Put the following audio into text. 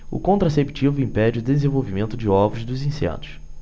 o contraceptivo impede o desenvolvimento de ovos dos insetos